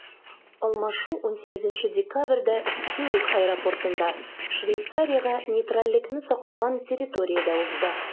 Алмашу 18 декабрьдә Цюрих аэропортында, Швейцариягә нейтральлекне саклаган территориядә узды.